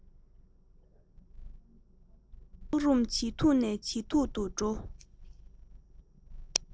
སྨག རུམ ཇེ མཐུག ནས ཇེ མཐུག ཏུ འགྲོ